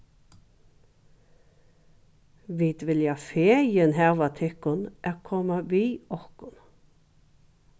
vit vilja fegin hava tykkum at koma við okkum